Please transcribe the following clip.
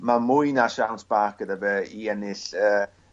ma' mwy na siawns bach gyda fe i ennill y